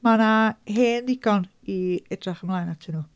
Mae 'na hen ddigon i edrych ymlaen atyn nhw.